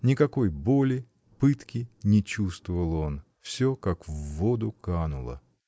Никакой боли, пытки не чувствовал он. Всё — как в воду кануло.